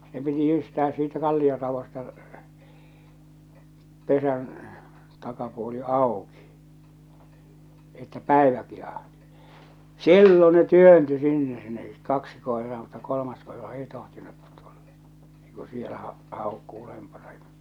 se piti jyystää siitä kallioraosta pesän takapuoli auki että päivä pihahti silloin ne työntyi sinne ne kaksi koiraa mutta kolmas koira ei tohtinut tulla ei kun siellä - haukkui ulompana ja